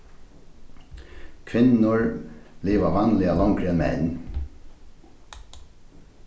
kvinnur liva vanliga longri enn menn